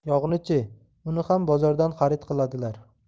yog'ni chi uni ham bozordan xarid qiladilar